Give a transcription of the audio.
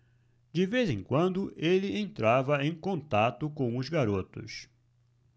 de vez em quando ele entrava em contato com os garotos